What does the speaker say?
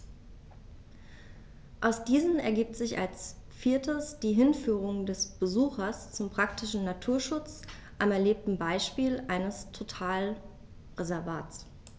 Aus diesen ergibt sich als viertes die Hinführung des Besuchers zum praktischen Naturschutz am erlebten Beispiel eines Totalreservats.